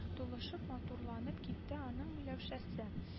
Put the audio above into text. Тулышып-матурланып китте аның миләүшәсе